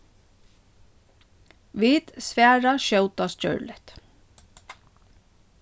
vit svara skjótast gjørligt